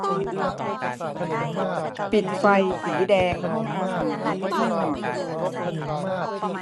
ปิดไฟสีแดงห้องอาหารให้หน่อย